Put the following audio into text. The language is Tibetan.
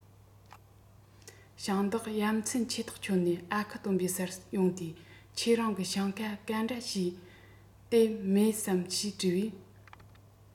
ཞིང བདག ཡ མཚན ཆེ ཐག ཆོད ནས ཨ ཁུ སྟོན པའི སར ཡོང སྟེ ཁྱེད རང གི ཞིང ཁ གང འདྲ བྱས དན རྨོས སམ ཞེས དྲིས པས